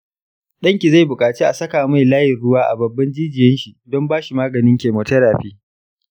ɗan ki zai buƙaci a saka mai layin ruwa a babban jijiyan shi don bashi maganin chemotherapy.